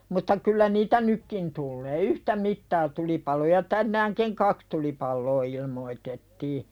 mutta kyllä niitä nytkin tulee yhtä mittaa tulipaloja tänäänkin kaksi tulipaloa ilmoitettiin